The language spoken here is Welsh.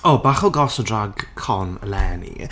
O! Bach o goss o Drag Con eleni.